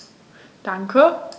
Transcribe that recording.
Danke.